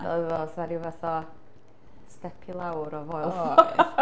Oedd o fatha ryw fath o step i lawr o Foel Farm